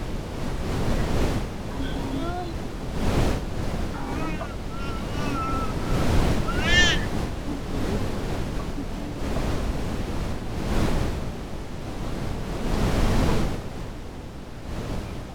Meeshan waxaa ka muuqda malawax gaduud iyo cdaan isku jira waxayna kujiraan weel cad